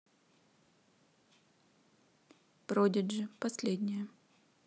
продиджи последнее